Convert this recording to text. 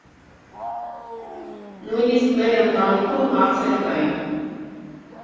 Նույնիսկ մեր ընտանիքում հարցեր կային։